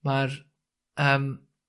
ma'r yym